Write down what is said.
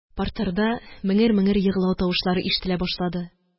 Партерда меңер-меңер еглау тавышлары ишетелә башлады.